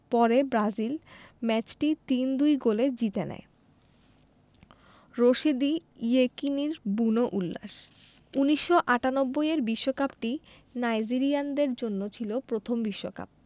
পরে ব্রাজিল ম্যাচটি ৩ ২ গোলে জিতে নেয় রশিদী ইয়েকিনীর বুনো উল্লাস ১৯৯৮ এর বিশ্বকাপটি নাইজেরিয়ানদের জন্য ছিল প্রথম বিশ্বকাপ